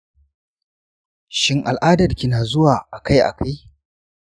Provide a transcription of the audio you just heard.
shin al’adarki na zuwa a kai a kai?